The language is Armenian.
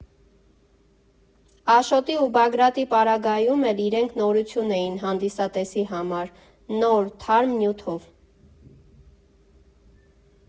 Աշոտի ու Բագրատի պարագայում էլ իրենք նորություն էին հանդիսատեսի համար, նոր, թարմ նյութով։